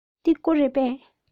འདི སྒོ རེད པས